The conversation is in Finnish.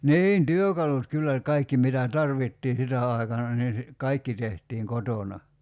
niin työkalut kyllä kaikki mitä tarvittiin sitä aikana niin - kaikki tehtiin kotona